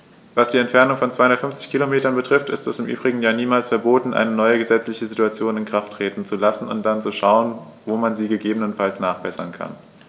Was die Entfernung von 250 Kilometern betrifft, ist es im Übrigen ja niemals verboten, eine neue gesetzliche Situation in Kraft treten zu lassen und dann zu schauen, wo man sie gegebenenfalls nachbessern kann.